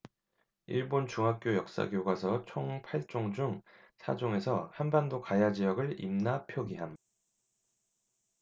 일본 중학교 역사교과서 총 팔 종 중 사 종에서 한반도 가야지역을 임나 표기함